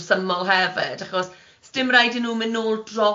resymol hefyd, achos s'dim raid i nhw mynd nôl dros